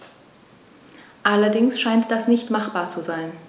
Allerdings scheint das nicht machbar zu sein.